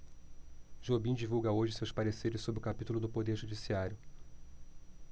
jobim divulga hoje seus pareceres sobre o capítulo do poder judiciário